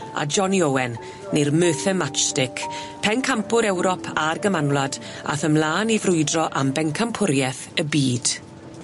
A Johnnie Owen ne'r Merthyr Matchstick pencampwr Ewrop a'r Gymanwlad ath ymlan i frwydro am bencampwrieth y byd.